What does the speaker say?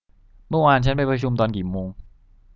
เมื่อวานฉันไปประชุมตอนกี่โมง